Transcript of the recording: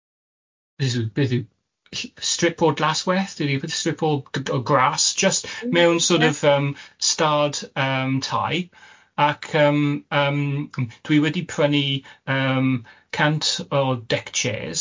beth yw beth yw strip o glaswellth, strip o g- o grass jyst mewn sort of yym stad yym tai ac yym yym dwi wedi prynu yym cant o deckchairs.